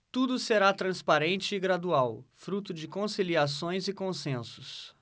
tudo será transparente e gradual fruto de conciliações e consensos